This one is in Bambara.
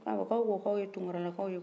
ko awɔ ko aw ko aw ye tunkaralakaw ye